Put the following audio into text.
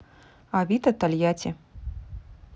авито тольятти